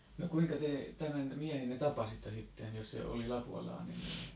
no kuinka te tämän miehenne tapasitte sitten jos se oli lapualainen